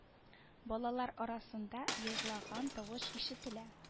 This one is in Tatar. Балалар арасында еглаган тавыш ишетелә